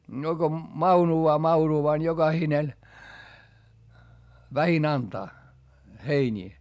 no kun maunuaa mauruaa niin jokainen vähin antaa heiniä